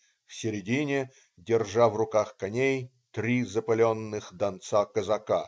В середине, держа в руках коней,- три запыленных донца-казака.